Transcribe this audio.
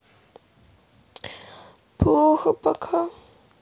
плохо пока